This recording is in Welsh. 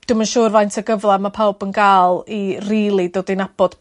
Dw'm yn siŵr faint o gyfla ma' pawb yn ga'l i rili dod i nabod